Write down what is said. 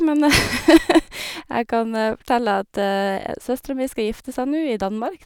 Men jeg kan fortelle at søstera mi skal gifte seg nu, i Danmark.